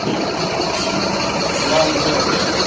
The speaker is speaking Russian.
план б